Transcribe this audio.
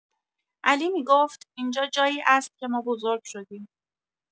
علی می‌گفت: «اینجا جایی است که ما بزرگ شدیم.»